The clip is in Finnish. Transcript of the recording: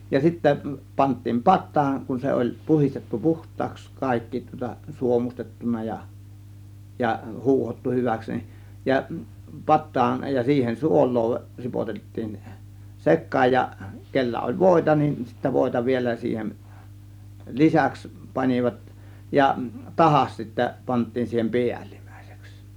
ja sitten pantiin pataan kun se oli puhdistettu puhtaaksi kaikki tuota suomustettu ja ja huuhdottu hyväksi niin ja pataan ja siihen suolaa ripotettiin sekaan ja kenellä oli voita niin sitten voita vielä siihen lisäksi panivat ja tahdas sitten pantiin siihen päällimmäiseksi